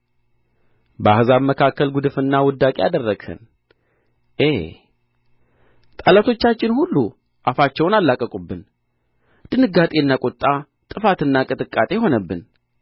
በአሕዛብ መካከል ጕድፍና ውዳቂ አደረግኸን ዔ ጠላቶቻችን ሁሉ አፋቸውን ኣላቀቁብን ድንጋጤና ቍጣ ጥፋትና ቅጥቃጤ ሆነብን